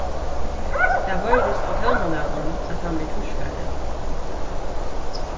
tað hoyrist á tónalagnum at hann er týskari